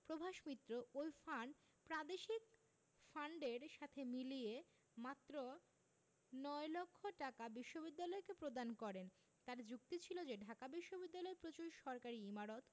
প্রভাস মিত্র ওই ফান্ড প্রাদেশিক ফান্ডেলর সাথে মিলিয়ে মাত্র নয় লক্ষ টাকা বিশ্ববিদ্যালয়কে প্রদান করেন তাঁর যুক্তি ছিল যে ঢাকা বিশ্ববিদ্যালয় প্রচুর সরকারি ইমারত